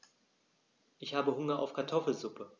Ich habe Hunger auf Kartoffelsuppe.